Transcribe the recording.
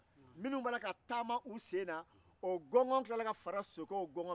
minnu b'a la ka taama sen na o gɔngɔn tilara ka fara sokɛw gɔngɔn kan